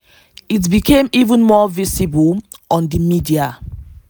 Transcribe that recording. “It became even more visible on the media.